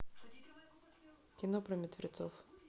кино про мертвецов